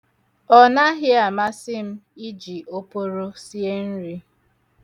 Ọnaghị amasị m iji oporo sie nri.